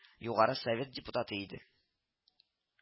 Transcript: Югары Совет депутаты иде